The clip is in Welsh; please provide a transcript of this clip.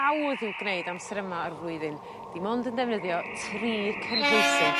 hawdd i'w gneud amser yma o'r flwyddyn dim ond yn ddefnyddio tri cynhwysyn.